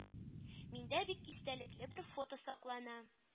Миндә бик истәлекле бер фото саклана.